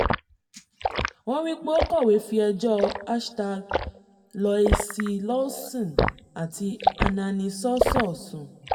Wọ́n wí pé ó kọ̀wé fi ẹjọ́ #LoicLawson àti #AnaniSossou sùn.